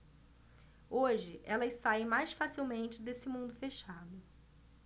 hoje elas saem mais facilmente desse mundo fechado